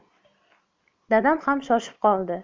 dadam ham shoshib qoldi